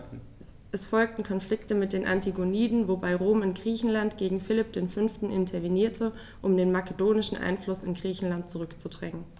Es folgten Konflikte mit den Antigoniden, wobei Rom in Griechenland gegen Philipp V. intervenierte, um den makedonischen Einfluss in Griechenland zurückzudrängen.